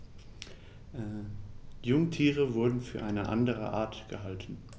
Jungtiere wurden für eine andere Art gehalten.